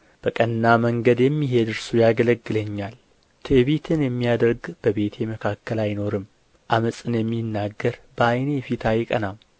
በቀና መንገድ የሚሄድ እርሱ ያገለግለኛል ትዕቢትን የሚያደርግ በቤቴ መካከል አይኖርም ዓመፅን የሚናገር በዓይኔ ፊት አይቀናም